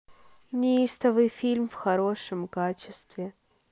неистовый фильм в хорошем качестве